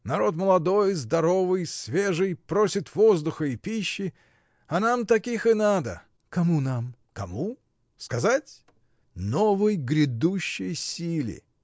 Народ молодой, здоровый, свежий, просит воздуха и пищи, а нам таких и надо. — Кому нам? — Кому? сказать? Новой, грядущей силе.